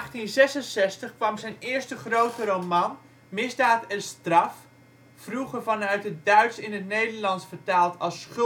was zijn eerste grote roman Misdaad en straf (vroeger vanuit het Duits in het Nederlands vertaald als